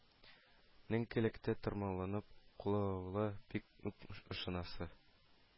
Нең келәткә томырыкланып куелуына бик үк ышанасы